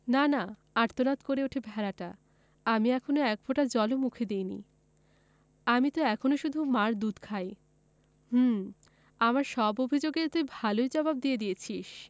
না না আর্তনাদ করে ওঠে ভেড়াটা আমি এখনো এক ফোঁটা জল ও মুখে দিইনি আমি ত এখনো শুধু মার দুধ খাই হুম আমার সব অভিযোগ এর তুই ভালই জবাব দিয়ে দিয়েছিস